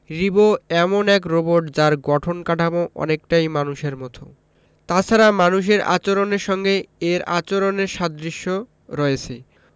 রিবো এমন এক রোবট যার গঠন কাঠামো অনেকটাই মানুষের মতো তাছাড়া মানুষের আচরণের সঙ্গে এর আচরণের সাদৃশ্য রয়েছে